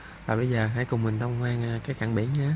bây giờ hãy cùng mình thông qua các cảng biển nhé